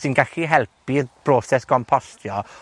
sy'n gallu helpu'r broses gompostio